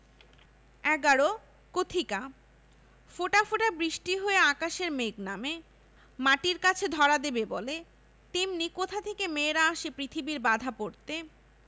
১১ কথিকা ফোঁটা ফোঁটা বৃষ্টি হয়ে আকাশের মেঘ নামে মাটির কাছে ধরা দেবে বলে তেমনি কোথা থেকে মেয়েরা আসে পৃথিবীতে বাঁধা পড়তে